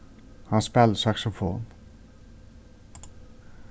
hann spælir saksofon